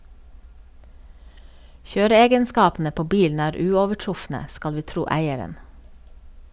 Kjøreegenskapene på bilen er uovertrufne, skal vi tro eieren.